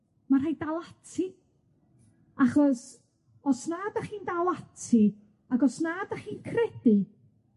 ma' rhaid dal ati achos os na 'dach chi'n dal ati ac os na 'dach chi'n credu